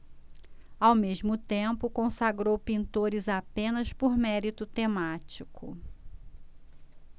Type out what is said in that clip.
ao mesmo tempo consagrou pintores apenas por mérito temático